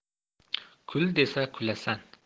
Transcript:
kul desa kulasan